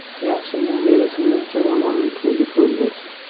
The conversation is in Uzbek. yaxshining beli singuncha yomonning ko'zi ko'r bo'lsin